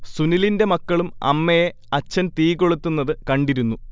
സുനിലിന്റെ മക്കളും അമ്മയെ അഛ്ഛൻ തീ കൊളുത്തുന്നത് കണ്ടിരുന്നു